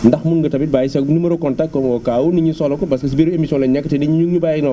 ndax mën nga tamit bàyyi sa numéro contact au ou nit ñi soxla ko parce que si biir émission la ñu nekk te nit ñi ñu ngi ñuy bàyyi nopp